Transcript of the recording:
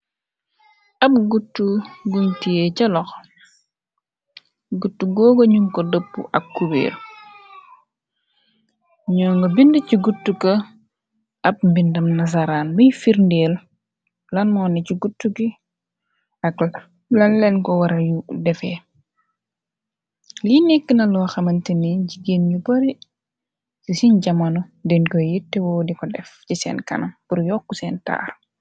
ab guttu guñtiyee calox gut googa ñum ko dëpp ak kubeer ñoo nga bind ci guttu ko ab mbindam nazaraan muy firndeel lan moo ne ci guttu ki ak lan leen ko wara yu defee li nekk na loo xamante ni jigéen yu bare ci siñ jamonu den ko yettewoo di ko def ci seen kanam bur yokk seen taar.